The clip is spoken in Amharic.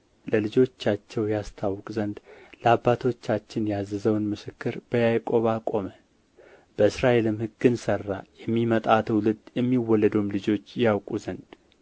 ለልጆቻቸው ያስታውቅ ዘንድ ለአባቶቻችን ያዘዘውን ምስክር በያዕቆብ አቆመ በእስራኤልም ሕግን ሠራ የሚመጣ ትውልድ የሚወለዱም ልጆች ያውቁ ዘንድ